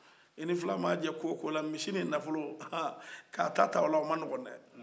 e ni fula mana jɛ ko o ko la misi ni nafolo k'a ta ta o la o ma nɔgɔ dɛɛ